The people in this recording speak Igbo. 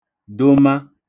doma